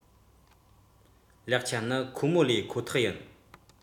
སློབ གྲྭ དང དགེ རྒན གྱི ཁེ ཕན ཁ ཤས རྨས ཡོང དེ བཞིན དགོས